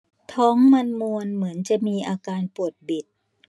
ท้องมันมวนเหมือนจะมีอาการปวดบิด